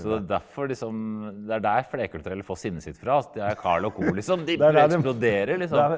så det er derfor liksom det er der flerkulturelle får sinnet sitt fra det er Karl og Co liksom de bare eksploderer liksom.